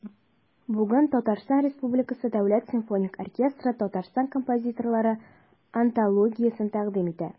Бүген ТР Дәүләт симфоник оркестры Татарстан композиторлары антологиясен тәкъдим итә.